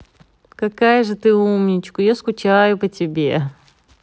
какая же ты умничка я скучаю по тебе